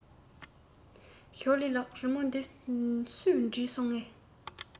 ཞོའོ ལིའི ལགས རི མོ འདི སུས བྲིས སོང ངས